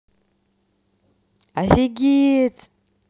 офигеть